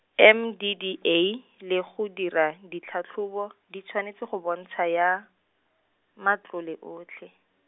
MDDA, le go dira, ditlhatlhobo, di tshwanetse go bontsha ya, matlole otlhe.